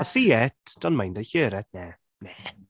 See it, don’t mind it. Hear it, nah, nah.